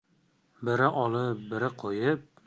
biri olib biri qo'yib